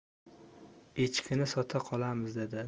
echkini sota qolamiz dedi